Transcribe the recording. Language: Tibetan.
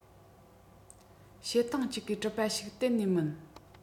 བྱེད ཐེངས གཅིག གིས འགྲུབ པ ཞིག གཏན ནས མིན